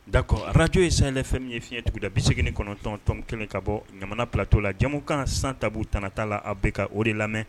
Da fararajo ye sanɛlɛfɛn min ye fiɲɛɲɛuguda bɛse kɔnɔntɔntɔn kɛmɛ ka bɔ jamana bilatɔ la jamu kan san ta tata la a bɛ ka o de lamɛn